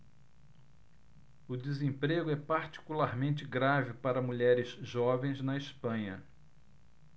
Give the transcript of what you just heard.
o desemprego é particularmente grave para mulheres jovens na espanha